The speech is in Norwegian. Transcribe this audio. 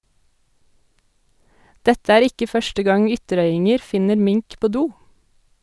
Dette er ikke første gang ytterøyinger finner mink på do.